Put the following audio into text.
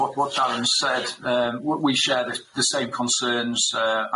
what what Darren said yym we share the same concerns yy